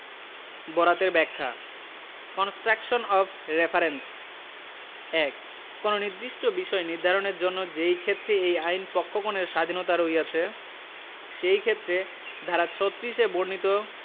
বরাতের ব্যাখ্যা construction of reference ১ কোন নির্দিষ্ট বিষয় নির্ধারণের জন্য যেইক্ষেত্রে এই আইন পক্ষগণের স্বাধীণতা রহিয়াছে সেইক্ষেত্রে ধারা ৩৬ এ বর্ণিত